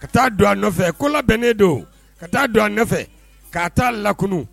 Ka taa don a nɔfɛ ko la bɛnnen don ka taa don an nɔfɛ ka taa lakunun.